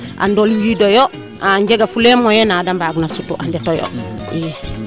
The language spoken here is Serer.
a ndolwiidoyo njega fule moyen na de mbaag na sutu a ndetoyo i